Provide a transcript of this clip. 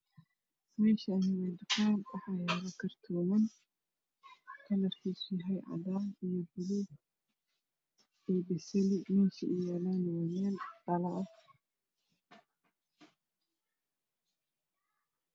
Meeshaan waa tukaamo waxaa yaalo kartoomo kalarkisu yahay cagaar iyo gaduud iyo tukan ay yaalaan moos iyo liin